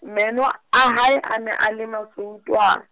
meno a hae a ne a le masweu twaa.